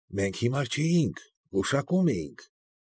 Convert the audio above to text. Մենք հիմար չէինք, գուշակում էինք։